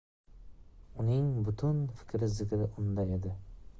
uning butun fikri zikri unda edi